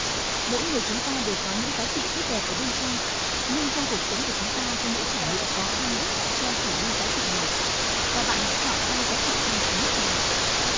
mỗi người chúng ta đều có những giá trị tốt đẹp ở bên trong nhưng trong cuộc sống của chúng ta có những trải nghiệm khó khăn đã che phủ đi giá trị này và bạn hãy chọn ba giá trị quan trọng nhất trong bạn